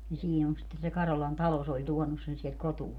niin siinä on sitten se Karolan talo se oli tuonut sen sieltä kotoaan